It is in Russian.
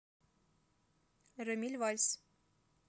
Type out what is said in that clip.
ramil' вальс